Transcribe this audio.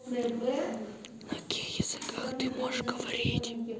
на каких языках ты можешь говорить